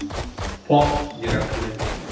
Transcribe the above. Пакь йөрәкле.